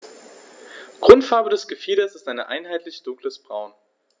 Grundfarbe des Gefieders ist ein einheitliches dunkles Braun.